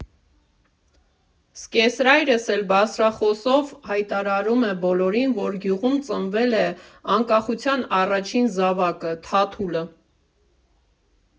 Սկեսրայրս էլ բարձրախոսով հայտարարում է բոլորին, որ գյուղում ծնվել է անկախության առաջին զավակը՝ Թաթուլը։